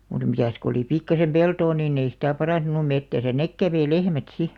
mutta mitäs kun oli pikkuisen peltoa niin ei sitä parantunut metsässä ne kävi lehmät sitten